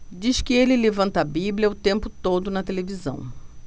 diz que ele levanta a bíblia o tempo todo na televisão